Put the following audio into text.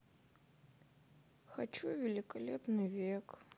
хочу великолепный век